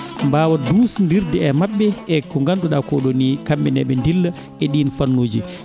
mbaawa duusinndirde e maɓɓe e ko ngannduɗaa koo ɗoo nii kamɓe ne eɓe ndilla e ɗiin fannuuji